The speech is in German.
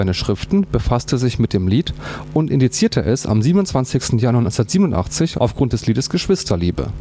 Schriften befasste sich mit dem Album und indizierte es am 27. Januar 1987 aufgrund des Liedes „ Geschwisterliebe